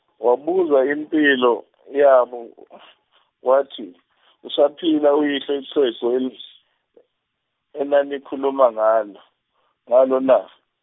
wabuza impilo yabo wathi usaphila uyihlo ixhegu eni- enanikhulumangalo ngalo na?